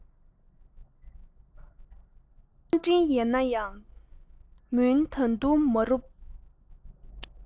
མཚམས སྤྲིན ཡལ ན ཡང མུན ད དུང མ རུབ